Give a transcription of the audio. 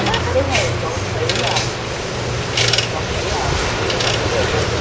cái này cháu thấy là ừm cháu thấy là hình như là bây giờ cô mệt